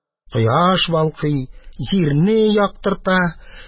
Кояш балкый, җирне яктырта.